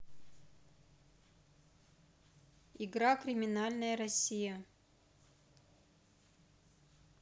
игра криминальная россия